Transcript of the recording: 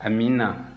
amiina